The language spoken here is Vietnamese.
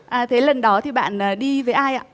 à thế lần đó thì bạn là đi với ai ạ